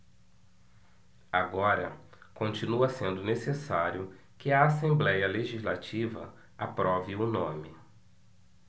agora continua sendo necessário que a assembléia legislativa aprove o nome